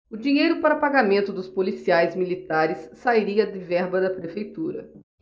o dinheiro para pagamento dos policiais militares sairia de verba da prefeitura